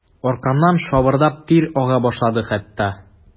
Аркамнан шабырдап тир ага башлады хәтта.